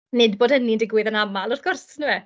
Nid bod hynny'n digwydd yn aml wrth gwrs, yndyfe.